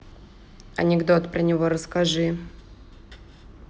анекдот про него расскажи